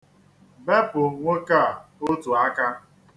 Bepụ nwoke a otu aka.